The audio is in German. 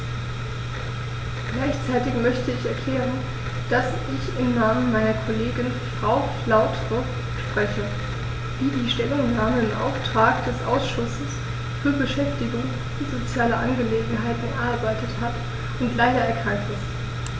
Gleichzeitig möchte ich erklären, dass ich im Namen meiner Kollegin Frau Flautre spreche, die die Stellungnahme im Auftrag des Ausschusses für Beschäftigung und soziale Angelegenheiten erarbeitet hat und leider erkrankt ist.